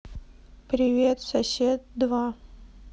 привет сосед два